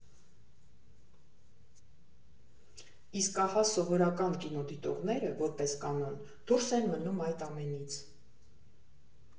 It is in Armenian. Իսկ ահա սովորական կինոդիտողները, որպես կանոն, դուրս են մնում այդ ամենից։